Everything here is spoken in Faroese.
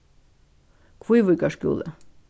kvívíkar skúli